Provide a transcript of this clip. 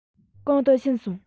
གང དུ ཕྱིན སོང